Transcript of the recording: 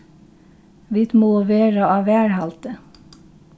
vit mugu vera á varðhaldi